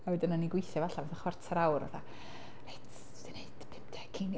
A wedyn o'n i'n gweithio fo allan fatha chwartar awr, fatha "reit dwi 'di neud 50 ceiniog".